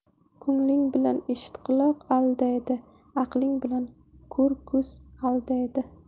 ko'ngling bilan eshit quloq aldaydi aqling bilan ko'r ko'z aldaydi